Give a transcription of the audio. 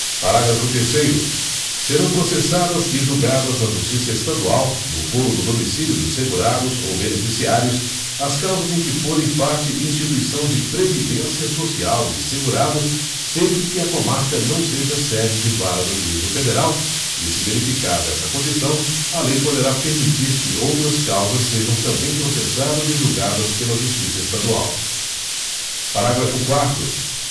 parágrafo terceiro serão processadas e julgadas na justiça estadual no foro do domicílio dos segurados ou beneficiários as causas em que forem parte instituição de previdência social e segurado sempre que a comarca não seja sede de vara do juízo federal e se verificada essa condição a lei poderá permitir que outras causas sejam também processadas e julgadas pela justiça estadual parágrafo quarto